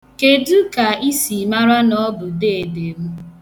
Kedụ ka i si mara na ọ bụ deede m?